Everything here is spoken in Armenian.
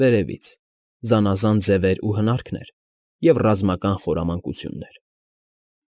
Վերևից, զանազան ձևեր ու հնարաքներ և ռազմական խորամանկություններ։